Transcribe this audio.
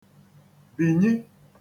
binyi